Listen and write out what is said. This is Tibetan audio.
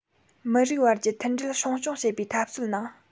མི རིགས བར གྱི མཐུན སྒྲིལ སྲུང སྐྱོང བྱེད པའི འཐབ རྩོད ནང